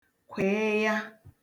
kwị̀ịya